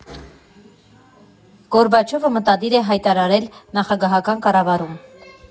Գորբաչովը մտադիր է հայտարարել նախագահական կառավարում։